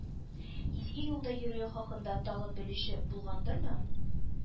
Изге юлда йөрүе хакында тагын белүче булгандырмы,